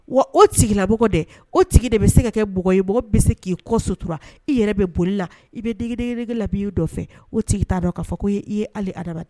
Wa ola dɛ o de bɛ se ka kɛɔgɔ ye mɔgɔ bɛ se k'i kɔ sutura i yɛrɛ bɛ boli la i bɛ degeden la'i' fɛ o tigi t'a dɔn' fɔ k ko i ye ali tɛ